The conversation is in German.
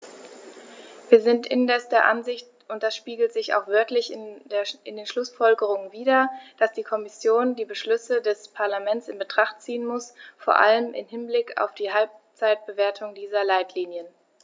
Wir sind indes der Ansicht und das spiegelt sich auch wörtlich in den Schlussfolgerungen wider, dass die Kommission die Beschlüsse dieses Parlaments in Betracht ziehen muss, vor allem im Hinblick auf die Halbzeitbewertung dieser Leitlinien.